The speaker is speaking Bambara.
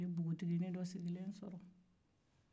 u ye npogotiginin dɔ sigilen sɔrɔ